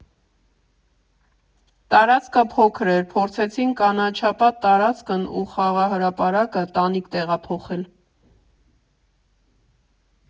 Տարածքը փոքր էր, փորձեցինք կանաչապատ տարածքն ու խաղահրապարակը տանիք տեղափոխել։